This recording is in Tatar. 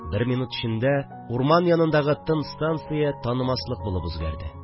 Бер минут эчендә урман янындагы тын станция танымаслык булып үзгәрде